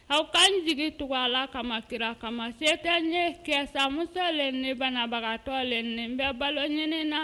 Aw k'an jigin tugu a la kama kira kama sɛ tɛ ɲɛ kɛ san muso le ne banabagatɔ le bɛ baloɲ na